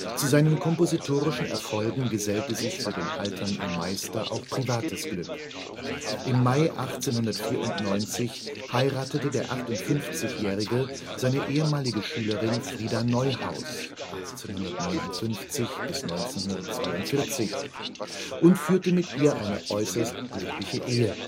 Zu seinen kompositorischen Erfolgen gesellte sich für den alternden Meister auch privates Glück: Im Mai 1894 heiratete der 58-jährige seine ehemalige Schülerin Frida Neuhaus (1859 - 1942) und führte mit ihr eine äußerst glückliche Ehe